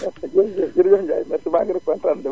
merci jërëjëf jërëjëf Ndiaye merci maa gën a kontaan de